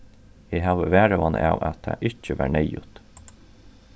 eg havi varhugan av at tað ikki var neyðugt